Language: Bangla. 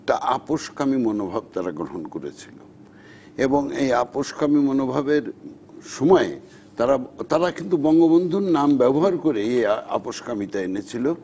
একটা আপসকামী মনোভাব তারা গ্রহণ করেছিলেন এবং মিয়া এবং আপসকামী মনোভাবের সময়ে তারা কিন্তু বঙ্গবন্ধুর নাম ব্যবহার করেই আপসকামিতা এনেছিল